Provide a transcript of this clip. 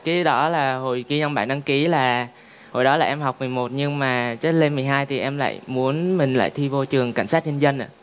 ký đó là hồi ghi trong bản đăng ký là hồi đó là em học mười một nhưng mà trước lên mười hai thì em lại muốn mình lại thi vô trường cảnh sát nhân dân ạ